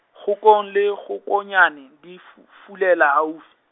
kgokong le kgokonyane di fu- fulela haufi.